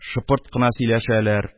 Шыпырт кына сөйләшәләр.